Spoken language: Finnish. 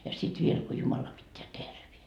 ja sitten vielä kun Jumala pitää terveenä